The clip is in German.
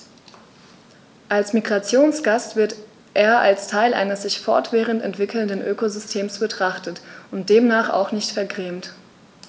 Als Migrationsgast wird er als Teil eines sich fortwährend entwickelnden Ökosystems betrachtet und demnach auch nicht vergrämt.